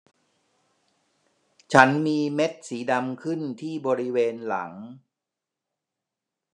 ฉันมีเม็ดสีดำขึ้นที่บริเวณหลัง